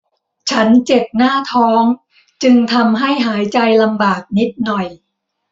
ฉันเจ็บหน้าท้องจึงทำให้หายใจลำบากนิดหน่อย